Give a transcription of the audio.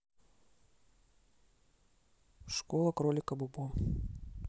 школа кролика бо бо